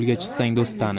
chiqsang do'st tani